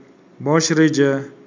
bosh reja